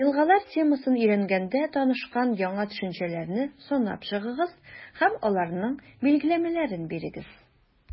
«елгалар» темасын өйрәнгәндә танышкан яңа төшенчәләрне санап чыгыгыз һәм аларның билгеләмәләрен бирегез.